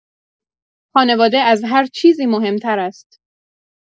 خانواده از هر چیزی مهمتر است